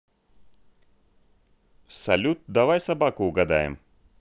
салют давай собаку угадаем